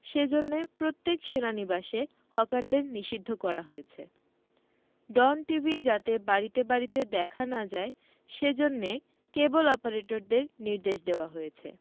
সেজন্যে প্রত্যেক সেনানিবাসে হকারদের নিষিদ্ধ করা হয়েছে ডন টিভি যাতে বাড়িতে বাড়িতে দেখা না যায় সেজন্যে কেবল অপারেটরদের নির্দেশ দেওয়া হয়েছে